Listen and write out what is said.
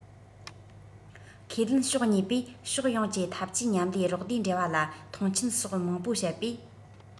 ཁས ལེན ཕྱོགས གཉིས པོས ཕྱོགས ཡོངས ཀྱི འཐབ ཇུས མཉམ ལས རོགས ཟླའི འབྲེལ བ ལ མཐོང ཆེན སོགས མང པོ བཤད པས